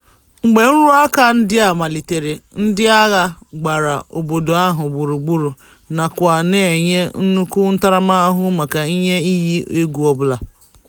Mgbe nruaka ndị a malitere, ndịagha gbara obodo ahụ gburugburu nakwa na-enye nnukwu ntaramahụhụ maka ihe iyi egwu ọbụla.